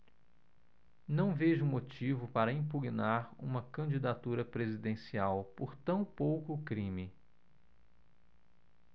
não vejo motivo para impugnar uma candidatura presidencial por tão pouco crime